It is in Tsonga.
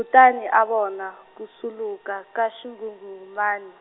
-utani a vona, ku swuluka ka xinghunghumani.